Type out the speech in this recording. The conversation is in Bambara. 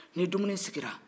ni dumuni sigira